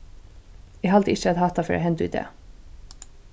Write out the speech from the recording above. eg haldi ikki at hatta fer at henda í dag